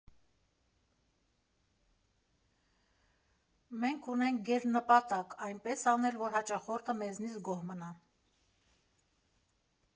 Մենք ունենք գերնպատակ՝ այնպես անել, որ հաճախորդը մեզնից գոհ մնա։